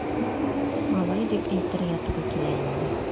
Алай дип әйтергә туры килә инде.